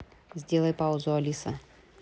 сделай паузу алиса